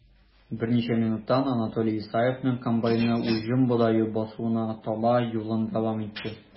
Берничә минуттан Анатолий Исаевның комбайны уҗым бодае басуына таба юлын дәвам итте.